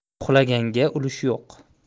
uxlaganga ulush yo'q